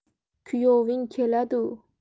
kuyoving keladu